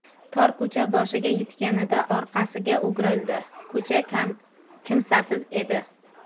tor ko'cha boshiga yetganida orqasiga o'giril di ko'cha kimsasiz edi